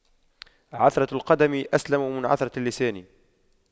عثرة القدم أسلم من عثرة اللسان